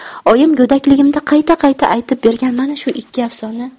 oyim go'dakligimda qayta qayta aytib bergan mana shu ikki afsona